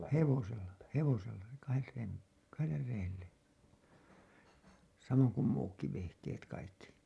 hevosella hevosella kahdet reet kahdelle reelle samoin kuin muutkin vehkeet kaikki